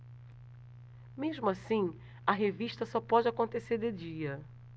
mesmo assim a revista só pode acontecer de dia